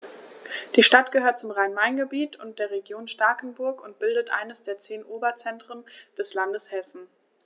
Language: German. Die Stadt gehört zum Rhein-Main-Gebiet und der Region Starkenburg und bildet eines der zehn Oberzentren des Landes Hessen.